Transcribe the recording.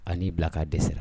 An n'i bila k'a dɛsɛ